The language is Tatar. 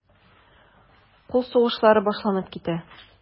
Кул сугышлары башланып китә.